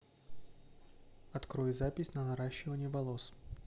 открой запись на наращивание волос